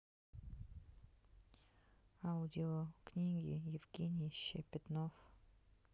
аудиокниги евгений щепетнов